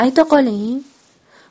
ayta qoli i ing